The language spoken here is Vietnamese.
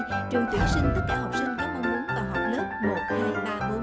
trường tuyển sinh tất